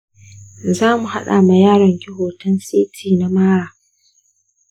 zamu haɗa ma yaron ki hoton ct na mara.